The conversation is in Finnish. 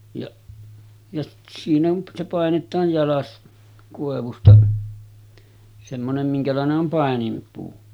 ja ja siinä on se painetaan jalas koivusta semmoinen minkälainen on paininpuu